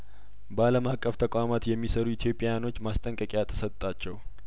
በአለም አቀፍ ተቋማት የሚሰሩ ኢትዮጵያኖች ማስጠንቀቂያ ተሰጣቸው